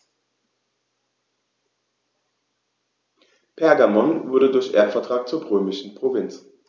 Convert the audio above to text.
Pergamon wurde durch Erbvertrag zur römischen Provinz.